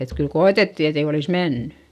että kyllä koetettiin että ei olisi mennyt